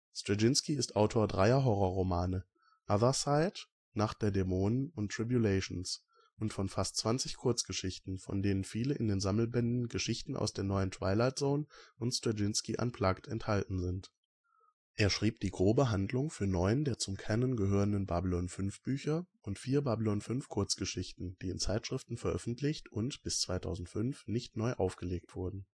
Straczynski ist Autor dreier Horrorromane - Othersyde, Nacht der Dämonen und Tribulations - und von fast 20 Kurzgeschichten, von denen viele in den Sammelbänden Geschichten aus der neuen Twilight Zone und Straczynski Unplugged enthalten sind. Er schrieb die grobe Handlung für neun der zum Canon gehörenden Babylon 5-Bücher und vier Babylon 5-Kurzgeschichten, die in Zeitschriften veröffentlicht und (bis 2005) nicht neu aufgelegt wurden